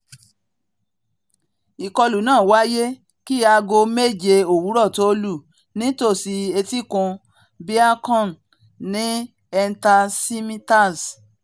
Ìkọlù náà wáyé kí aago méje òwúrọ̀ tó lù nítòsí Etíkun Beacon ní Encinitas.